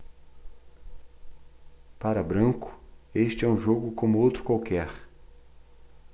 para branco este é um jogo como outro qualquer